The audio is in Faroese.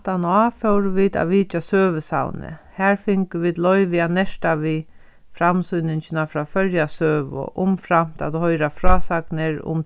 aftaná fóru vit at vitja søgusavnið har fingu vit loyvi at nerta við framsýningina frá føroya søgu umframt at hoyra frásagnir um